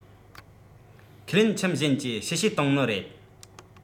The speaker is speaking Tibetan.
ཁས ལེན ཁྱིམ གཞན གྱིས གཤེ གཤེ གཏོང ནི རེད